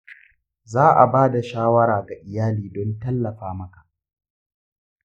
za a ba da shawara ga iyali don tallafa maka.